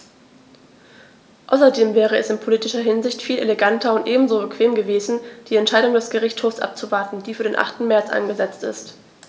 Außerdem wäre es in politischer Hinsicht viel eleganter und ebenso bequem gewesen, die Entscheidung des Gerichtshofs abzuwarten, die für den 8. März angesetzt ist.